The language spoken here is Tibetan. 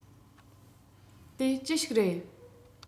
དེ ཅི ཞིག རེད